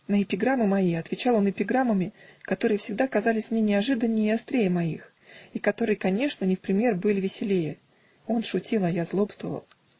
на эпиграммы мои отвечал он эпиграммами, которые всегда казались мне неожиданнее и острее моих и которые, конечно, не в пример были веселее: он шутил, а я злобствовал.